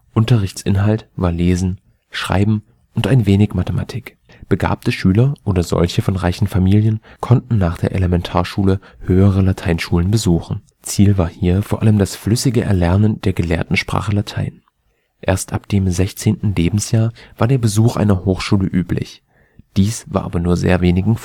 Unterrichtsinhalt war Lesen, Schreiben und ein wenig Mathematik. Begabte Schüler oder solche von reichen Familien konnten nach der Elementarschule höhere Lateinschulen besuchen. Ziel war hier vor allem das flüssige Erlernen der Gelehrtensprache Latein. Erst ab dem 16. Lebensjahr war der Besuch einer Hochschule üblich. Dies war aber nur sehr wenigen